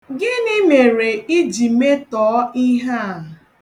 Gịnị mere iji metọọ ihe a?